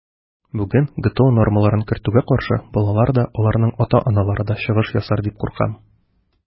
Бүген ГТО нормаларын кертүгә каршы балалар да, аларның ата-аналары да чыгыш ясар дип куркам.